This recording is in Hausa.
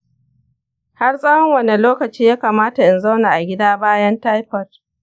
har tsawon wane lokaci ya kamata in zauna a gida bayan taifoid?